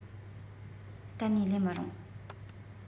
གཏན ནས ལེན མི རུང